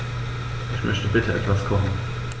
Ich möchte bitte etwas kochen.